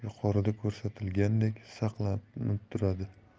yuqorida ko'rsatilgandek saqlanib turadi